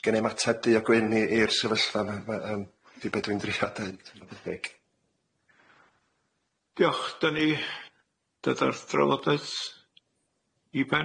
gennai'm ateb du a gwyn i i'r sefyllfa ma' ma' yym di be' dwi'n drio deud. Diolch, dynnu dydarth drafodaeth i ben.